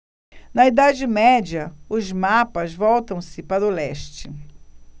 na idade média os mapas voltam-se para o leste